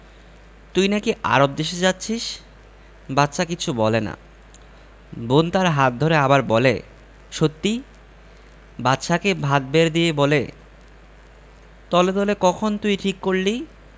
তুই নাকি আরব দেশে যাচ্ছিস বাদশা কিছু বলে না বোন তার হাত ধরে আবার বলে সত্যি বাদশাকে ভাত বেড়ে দিয়ে বলে তলে তলে কখন তুই ঠিক করলি